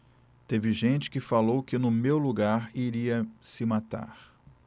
teve gente que falou que no meu lugar iria se matar